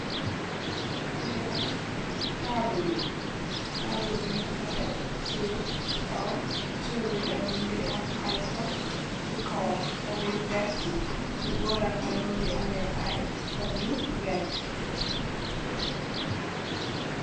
Li nak tabull la, tabull bi ñing fa tek siwo si kawam, siwo bi tam mugii am ay xop si kawam, xop yu werta, si bóram tam mugii ameh ay xop yu werta.